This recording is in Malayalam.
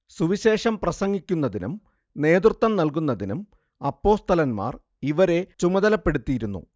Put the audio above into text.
സുവിശേഷം പ്രസംഗിക്കുന്നതിനും നേതൃത്വം നല്കുന്നതിനും അപ്പോസ്തലൻമാർ ഇവരെ ചുമതലപ്പെടുത്തിയിരുന്നു